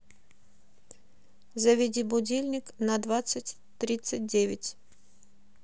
заведи будильник на двадцать тридцать девять